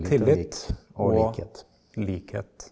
tillit og likhet.